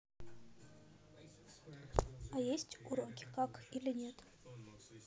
а есть уроки как или нет